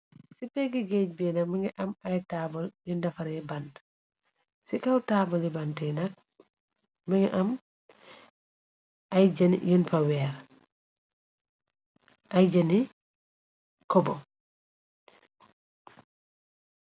Ci peggi géej binak mangi am ay taabal yun dafare bant. Ci kaw taabuli bant nak më ngi am ay jënn yun fa weer ay jënni cobo.